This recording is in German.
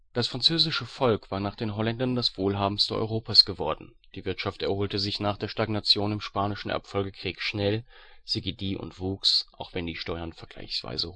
Das französische Volk war nach den Holländern das wohlhabendste Europas geworden, die Wirtschaft erholte sich nach der Stagnation im Spanischen Erbfolgekrieg schnell, sie gedieh und wuchs, auch wenn die Steuern vergleichsweise